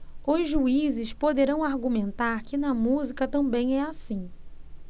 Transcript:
os juízes poderão argumentar que na música também é assim